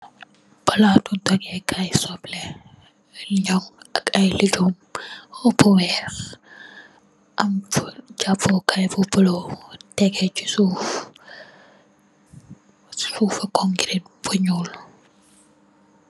Palaatu dagèkaay yu soblè liyong ak ay lijum bu weeh, am japukaay bu bulo bu tekk ci suuf. Ci suufi concrete bu ñuul.